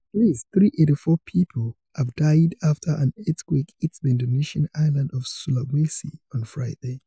At least 384 people have died after an earthquake hit the Indonesian island of Sulawesi on Friday.